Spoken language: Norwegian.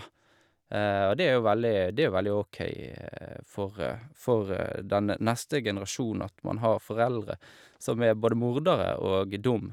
Og det er jo veldig det er jo veldig OK for for den neste generasjonen at man har foreldre som er både mordere og dum.